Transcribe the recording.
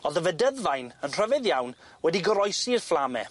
O'dd y fedyddfaen yn rhyfedd iawn wedi goroesi'r fflame.